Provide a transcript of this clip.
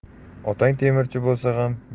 otang temirchi bo'lsa